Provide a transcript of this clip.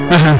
axa